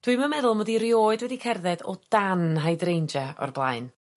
Dwi'm yn meddwl mod i erioed wedi cerdded o dan Hydrangea o'r blaen.